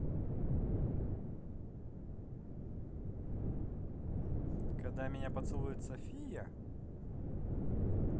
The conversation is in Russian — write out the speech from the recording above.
когда меня поцелует софия